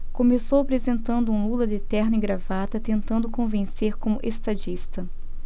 começou apresentando um lula de terno e gravata tentando convencer como estadista